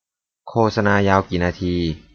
โฆษณายาวกี่นาที